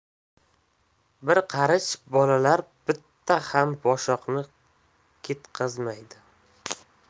bir qarich bolalar bitta ham boshoqni ketqazmaydi